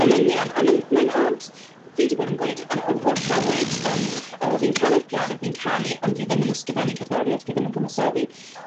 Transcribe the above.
Yn union, a ma'n, mae'n od... Fi 'di bod yn gweud 'yn a'm holl fywyd, yym o fi'n canu'r piano, fi'n canu, ond fi ddim yn ysgifennu cerddorieth, fi ddim yn cyfansoddi.